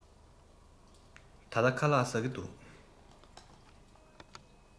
ད ལྟ ཁ ལག ཟ གི འདུག